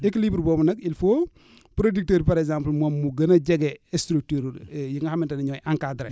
équilibre boobu nag il faut producteur bi par exemple moom mu gën a jege structure yi nga xamante ne ñooy encadré